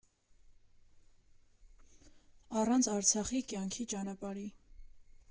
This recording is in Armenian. Առանց Արցախի կյանքի ճանապարհի։